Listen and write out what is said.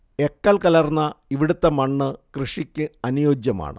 എക്കൽ കലർന്ന ഇവിടത്തെ മണ്ണ് കൃഷിക്ക് അനുയോജ്യമാണ്